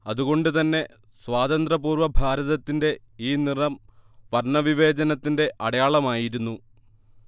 അതുകൊണ്ടുതന്നെ സ്വാന്ത്രപൂർവ്വ ഭാരതത്തിന്റെ ഈ നിറം വർണ്ണവിവേചനത്തിന്റെ അടയാളമായിരുന്നു